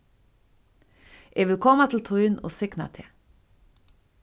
eg vil koma til tín og signa teg